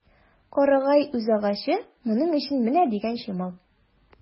Карагай үзагачы моның өчен менә дигән чимал.